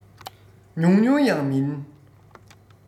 ཉུང ཉུང ཡང མིན